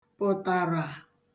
pụ̀tàrà